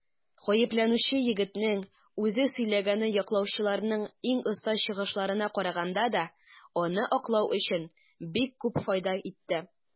Гаепләнүче егетнең үзе сөйләгәне яклаучыларның иң оста чыгышларына караганда да аны аклау өчен бик күп файда итте.